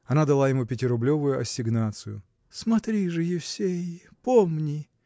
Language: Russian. Она дала ему пятирублевую ассигнацию. – Смотри же, Евсей, помни